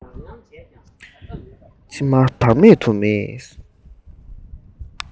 མཆིལ མ བར མེད དུ མིད